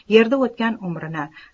yerda o'tgan umrini